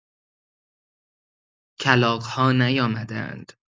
کلاغ‌ها نیامده‌اند.